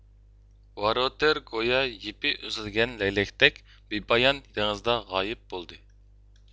ۋاروتېر گويا يىپى ئۈزۈلگەن لەگلەكتەك بىپايان دېڭىزدا غايىب بولغان